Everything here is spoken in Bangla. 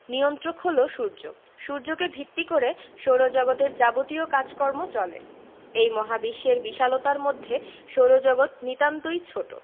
নিয়ন্ত্রক হলো সূর্য সূর্যকে ভিত্তি করে সৌরজগতের যাবতীয় কাজকর্ম চলে এই মহাবিশ্বের বিশালতার মধ্যে সৌরজগৎ নিতান্তই ছোট